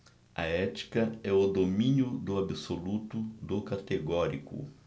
a ética é o domínio do absoluto do categórico